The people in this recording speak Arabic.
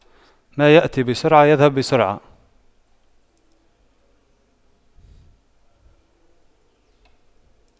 ما يأتي بسرعة يذهب بسرعة